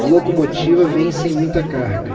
a locomotiva vem sem muita carga